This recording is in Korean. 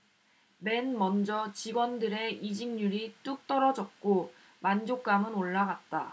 맨먼저 직원들의 이직률이 뚝 떨어졌고 만족감은 올라갔다